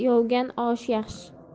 yovg'on oshi yaxshi